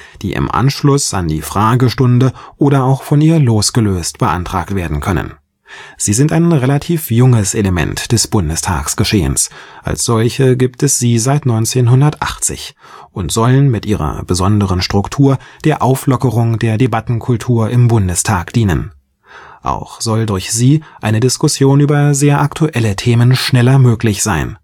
die im Anschluss an die Fragestunde oder auch von ihr losgelöst beantragt werden können. Sie sind ein relativ junges Element des Bundestagsgeschehens, als solche gibt es sie seit 1980, und sollen mit ihrer besonderen Struktur der Auflockerung der Debattenkultur im Bundestag dienen. Auch soll durch sie eine Diskussion über sehr aktuelle Themen schneller möglich sein